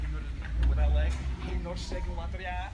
Hyd yn o'd yn y Wyddeleg, Hen wrseg yn Wlad yr Ia.